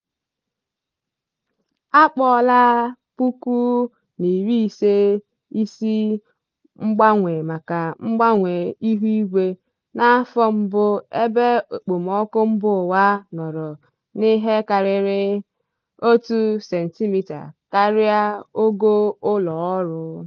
A kpọọla 2015 isi mgbanwe maka mgbanwe ihuigwe; N'afọ mbụ ebe okpomọkụ mbaụwa nọrọ n'ihe karịrị 1°C karịa ogo ụlọọrụ.